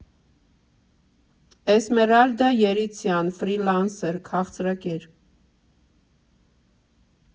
Էսմերալդա Երիցյան, ֆրիլանսեր, քաղցրակեր։